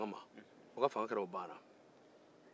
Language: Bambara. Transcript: o ka fanga kɛra o banna